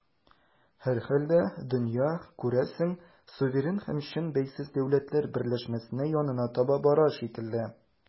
Һәрхәлдә, дөнья, күрәсең, суверен һәм чын бәйсез дәүләтләр берләшмәсенә янына таба бара шикелле.